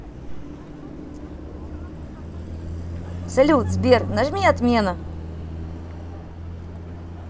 салют сбер нажми отмена